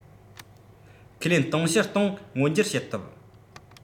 ཁས ལེན དུང ཕྱུར ༡༠༠༠ མངོན འགྱུར བྱེད ཐུབ